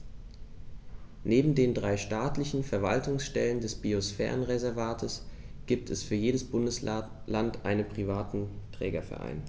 Neben den drei staatlichen Verwaltungsstellen des Biosphärenreservates gibt es für jedes Bundesland einen privaten Trägerverein.